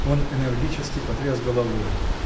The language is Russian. Он энергически потряс головой.